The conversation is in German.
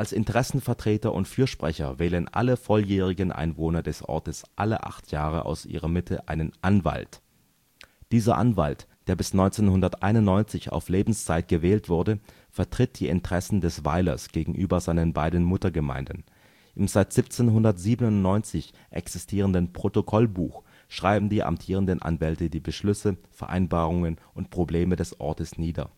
Interessenvertreter und Fürsprecher wählen alle volljährigen Einwohner des Ortes alle 8 Jahre aus ihrer Mitte einen „ Anwalt “. Dieser Anwalt, der bis 1991 auf Lebenszeit gewählt wurde, vertritt die Interessen des Weilers gegenüber seinen beiden Muttergemeinden. Im seit 1797 existierenden „ Protokollbuch “schreiben die amtierenden Anwälte die Beschlüsse, Vereinbarungen und Probleme des Ortes nieder